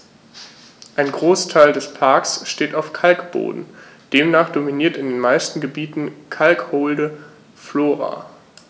Ein Großteil des Parks steht auf Kalkboden, demnach dominiert in den meisten Gebieten kalkholde Flora.